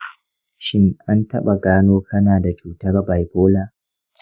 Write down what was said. shin an taɓa gano kana da cutar bipolar?